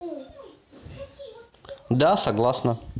да согласна